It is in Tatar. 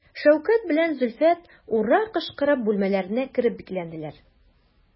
Шәүкәт белән Зөлфәт «ура» кычкырып бүлмәләренә кереп бикләнделәр.